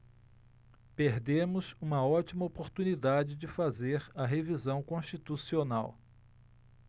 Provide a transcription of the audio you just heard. perdemos uma ótima oportunidade de fazer a revisão constitucional